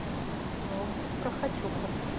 мультик про хочуху